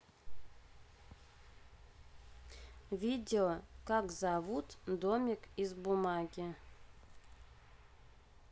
видео как зовут домик из бумаги